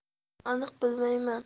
aniq bilmayman